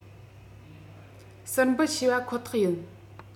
ཟུར འབུད བྱས པ ཁོ ཐག ཡིན